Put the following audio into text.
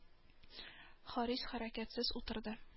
Харис хәрәкәтсез утырды.